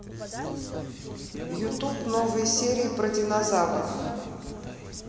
ютуб новые серии про динозавров